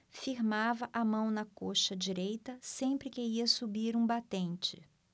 firmava a mão na coxa direita sempre que ia subir um batente